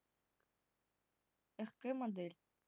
рк модель